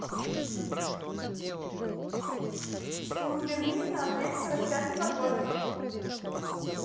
штурм берлина апрель сорок пятого года